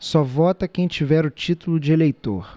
só vota quem tiver o título de eleitor